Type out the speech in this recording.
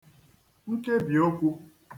nkebìokwū